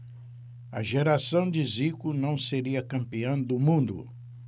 a geração de zico não seria campeã do mundo